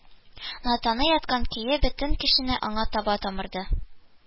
Натаны яткан көе бөтен көченә аңа таба тамырды